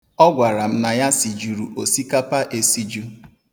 Ọ gwara m na ya sijuru osikapa esiju.